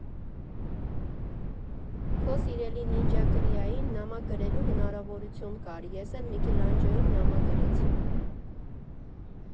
Քո սիրելի նինջա կրիային նամակ գրելու հնարավորություն կար, ես էլ Միքելանջելոյին նամակ գրեցի։